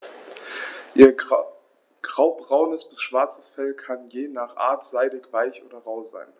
Ihr graubraunes bis schwarzes Fell kann je nach Art seidig-weich oder rau sein.